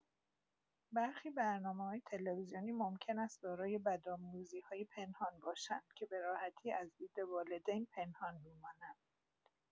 برخی برنامه‌‌های تلویزیونی ممکن است دارای بدآموزی‌های پنهان باشند که به راحتی از دید والدین پنهان می‌ماند.